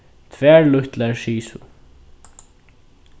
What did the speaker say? tvær lítlar sisu